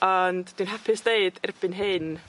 ond dwi'n hapus deud erbyn hyn